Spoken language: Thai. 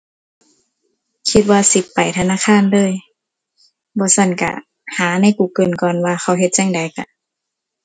คิดว่าสิไปธนาคารเลย บ่ซั้นก็หาใน Google ก่อนว่าเขาเฮ็ดจั่งใดก็